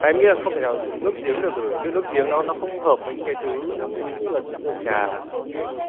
em nghĩ là không thể nào dùng nước giếng được rồi nhưng nước giếng nó nó nó không hợp với những cái thứ như là trà